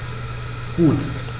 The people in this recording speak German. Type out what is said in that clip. Gut.